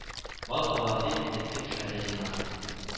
Бал кабам дип, этлек эшләргә җыенасың